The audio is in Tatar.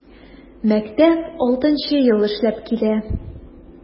Мәктәп 6 нчы ел эшләп килә.